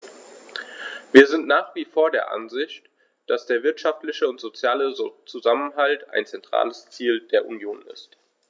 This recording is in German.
Wir sind nach wie vor der Ansicht, dass der wirtschaftliche und soziale Zusammenhalt ein zentrales Ziel der Union ist.